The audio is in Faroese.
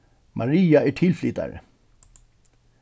maria er tilflytari